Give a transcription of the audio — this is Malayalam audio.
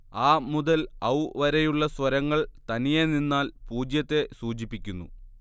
അ മുതൽ ഔ വരെയുള്ള സ്വരങ്ങൾ തനിയേ നിന്നാൽ പൂജ്യത്തെ സൂചിപ്പിക്കുന്നു